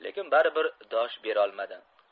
lekin baribir dosh berolmadi